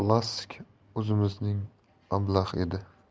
olsak bu klassik o'zimizning ablah edi